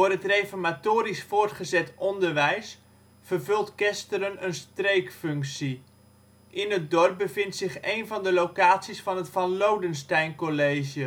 het reformatorisch voortgezet onderwijs vervult Kesteren een streekfunctie. In het dorp bevindt zich één van de locaties van het Van Lodensteincollege. De